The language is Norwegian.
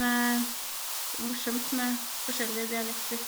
Det er morsomt med forskjellige dialekter.